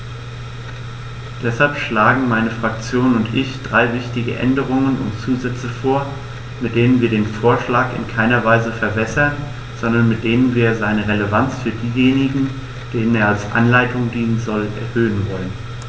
Deshalb schlagen meine Fraktion und ich drei wichtige Änderungen und Zusätze vor, mit denen wir den Vorschlag in keiner Weise verwässern, sondern mit denen wir seine Relevanz für diejenigen, denen er als Anleitung dienen soll, erhöhen wollen.